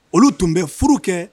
Olu tun bɛ furu kɛ